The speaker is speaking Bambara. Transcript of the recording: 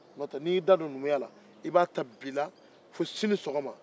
n'o tɛ n'i ye i da don numuya la i b'a ta bi la fo sini sɔgɔma